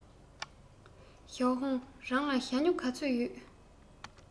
ཞའོ ཧུང རང ལ ཞྭ སྨྱུག ག ཚོད ཡོད